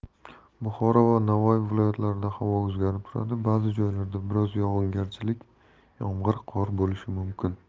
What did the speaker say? buxoro va navoiy viloyatlarida havo o'zgarib turadi ba'zi joylarda biroz yog'ingarchilik yomg'ir qor bo'lishi mumkin